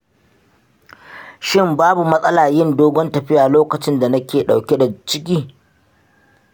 shin babu matsala yin dogon tafiya lokacinda nake dauke da ciki